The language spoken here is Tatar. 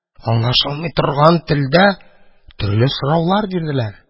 Аңлашылмый торган телдә төрле сораулар бирделәр.